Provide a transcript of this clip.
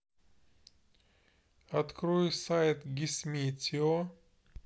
открой сайт гисметео